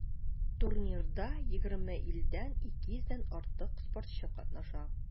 Турнирда 20 илдән 200 дән артык спортчы катнаша.